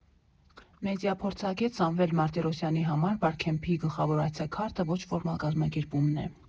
Մեդիափորձագետ Սամվել Մարտիրոսյանի համար Բարքեմփի գլխավոր այցեքարտը ոչ ֆորմալ կազմակերպումն է.